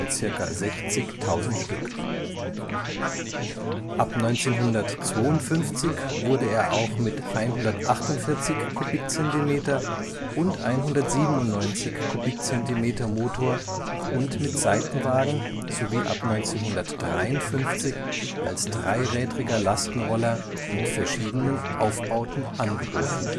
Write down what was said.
ca. 60.000 Stück). Ab 1952 wurde er auch mit 148-cm³ - und 197-cm³-Motor und mit Seitenwagen sowie ab 1953 als dreirädriger Lastenroller mit verschiedenen Aufbauten angeboten